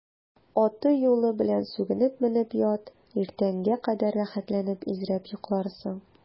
Аты-юлы белән сүгенеп менеп ят, иртәнгә кадәр рәхәтләнеп изрәп йокларсың.